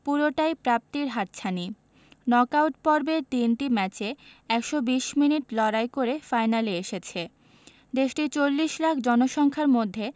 পুরোটাই প্রাপ্তির হাতছানি নক আউট পর্বের তিনটি ম্যাচে ১২০ মিনিট লড়াই করে ফাইনালে এসেছে দেশটির ৪০ লাখ জনসংখ্যার মধ্যে